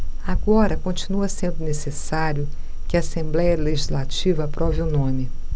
agora continua sendo necessário que a assembléia legislativa aprove o nome